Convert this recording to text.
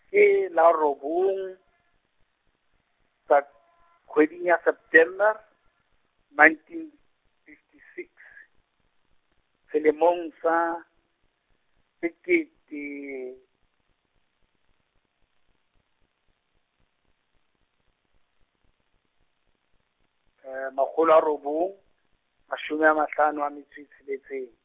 ke la robong , tsa kgweding ya September, nineteen fifty six, selemong sa, sekete, makgolo a robong, mashome a mahlano a metso e tsheletseng.